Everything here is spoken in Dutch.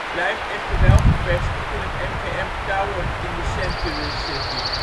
blijft echter wel gevestigd in de MGM Tower in Century City